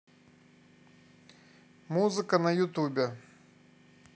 музыку на ютубе